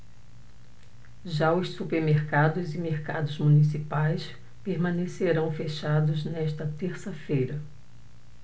já os supermercados e mercados municipais permanecerão fechados nesta terça-feira